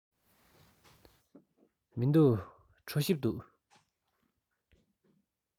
མི འདུག གྲོ ཞིབ འདུག